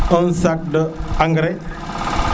1sac de engrais